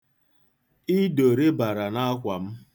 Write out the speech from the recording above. Ido rịbara m n'akwa.